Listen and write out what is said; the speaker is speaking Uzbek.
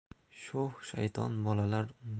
sho'x shayton bolalar